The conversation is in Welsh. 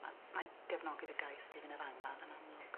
Ma- na'i gefnogi dy gais di i fyn' i'r angladd yn amlwg.